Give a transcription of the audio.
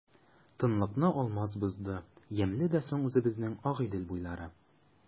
Тынлыкны Алмаз бозды:— Ямьле дә соң үзебезнең Агыйдел буйлары!